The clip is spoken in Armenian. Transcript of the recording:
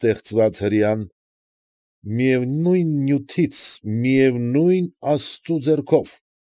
Ստեղծված հրեան։ Միևնույն նյութից, միևնույն աստծու ձեռքով։